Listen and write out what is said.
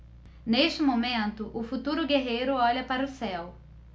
neste momento o futuro guerreiro olha para o céu